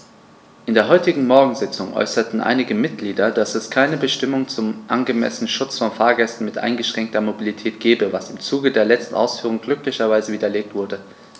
In der heutigen Morgensitzung äußerten einige Mitglieder, dass es keine Bestimmung zum angemessenen Schutz von Fahrgästen mit eingeschränkter Mobilität gebe, was im Zuge der letzten Ausführungen glücklicherweise widerlegt wurde.